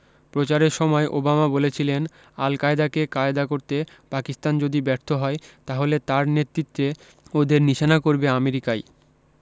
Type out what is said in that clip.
প্রচারের সময় ওবামা বলেছিলেন আল কায়দাকে কায়দা করতে পাকিস্তান যদি ব্যর্থ হয় তাহলে তার নেতৃত্বে ওদের নিশানা করবে আমেরিকাই